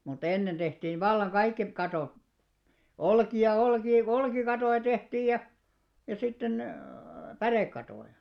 mutta ennen tehtiin vallan kaikki katot olkia olkia olkikattoja tehtiin ja ja sitten pärekattoja